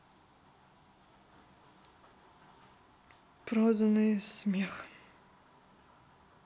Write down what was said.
проданный смех